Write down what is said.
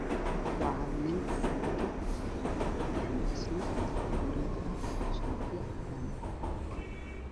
Waa hal nin wato suud wariij ah shaati cadaan ah